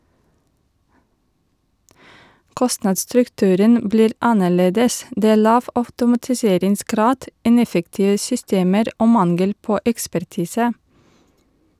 - Kostnadsstrukturen blir annerledes , det er lav automatiseringsgrad, ineffektive systemer og mangel på ekspertise.